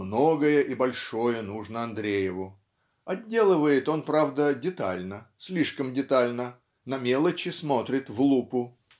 Многое и большое нужно Андрееву. Отделывает он правда детально слишком детально на мелочи смотрит в лупу